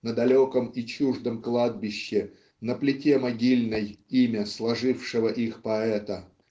на далеком и чуждом кладбище на плите могильной имя сложившего их поэта?